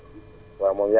dëgg la lu wér